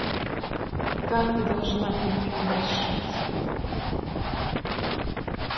как ты должна ко мне обращаться